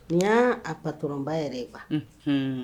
Ni y'a patron ba yɛrɛ de ye, unhun